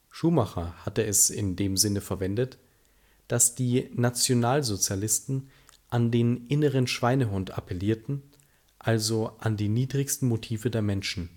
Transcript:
Schumacher hatte es in dem Sinne verwendet, dass die Nationalsozialisten an den inneren Schweinehund appellierten, also an die niedrigsten Motive der Menschen